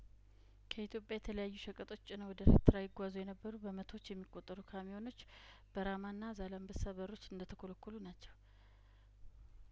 ከኢትዮጵያ የተለያዩ ሸቀጦች ጭነው ወደ ኤርትራ ይጓዙ የነበሩ በመቶዎች የሚቆጠሩ ካሚዮኖች በራማና ዛላንበሳ በሮች እንደተኮለኮሉ ናቸው